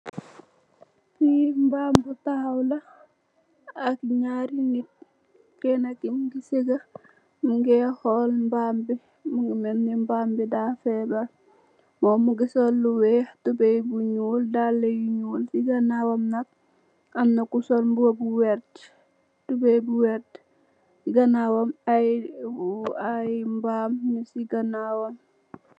Fi mbaan bu taxaw la ak naari nitt kena ki mogi sega monge xol mbam bi mogi mel ni mbam da febar mom mogi sol lu weex tubai bu nuul daal yu nuul si kanawam nak amna ku sol mbuba bu verta tubai bu verta si ganawam ay ay mbaam mung si ganawam.